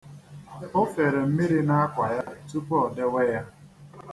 O fere mmiri n'akwa ya tupu o dewe ya.